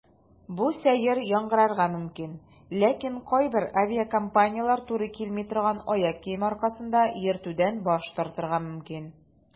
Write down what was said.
Бу сәер яңгырарга мөмкин, ләкин кайбер авиакомпанияләр туры килми торган аяк киеме аркасында йөртүдән баш тартырга мөмкин.